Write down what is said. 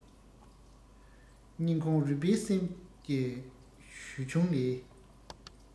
སྙིང ཁོངས རུས པའི སེམས ཀྱི གཞུ ཆུང ལས